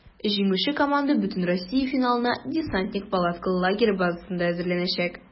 Җиңүче команда бөтенроссия финалына "Десантник" палаткалы лагере базасында әзерләнәчәк.